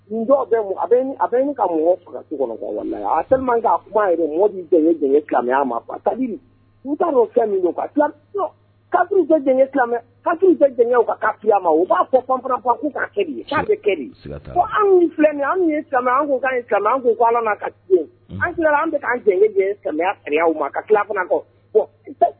Kumaya maya ma u b' fɔ anw filɛ an kan an an bɛ samiya ma ka kɔ